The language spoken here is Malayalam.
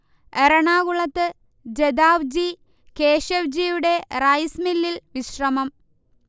എറണാകുളത്ത് ജദാവ്ജി കേശവ്ജിയുടെ റൈസ് മില്ലിൽ വിശ്രമം